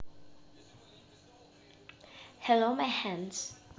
hello my hands